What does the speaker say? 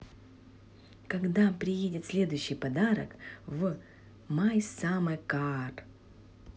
когда придет следующий подарок в my summer car